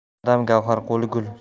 odam gavhar qo'li gul